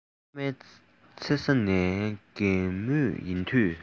ཨ མའི མཚེར ས ནས རྒས མུས ཡིན དུས